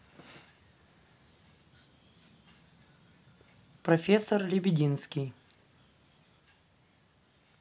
профессор лебединский